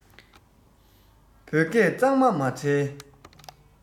བོད སྐད གཙང མ མ བྲལ